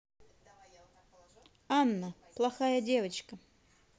анна плохая девочка